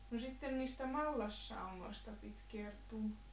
no sitten niistä mallassaunoista piti kertoa